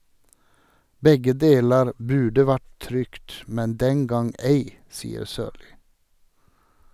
Begge deler burde vært trygt, men den gang ei , sier Sørli.